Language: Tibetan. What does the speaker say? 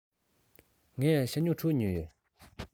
ངས ཞྭ སྨྱུག དྲུག ཉོས ཡོད